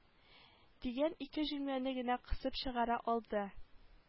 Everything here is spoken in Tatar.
Дигән ике җөмләне генә кысып чыгара алды